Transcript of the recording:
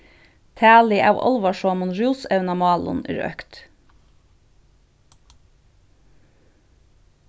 talið av álvarsomum rúsevnamálum er økt